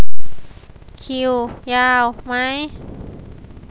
คิวยาวไหม